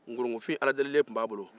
gorongofin aladelilen tun b'a bolo